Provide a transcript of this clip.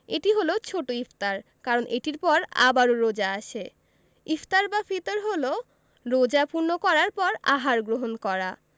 এটি হলো ছোট ইফতার কারণ এটির পর আবারও রোজা আসে ইফতার বা ফিতর হলো রোজা পূর্ণ করার পর আহার গ্রহণ করা